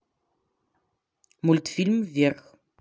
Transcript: мультфильм вверх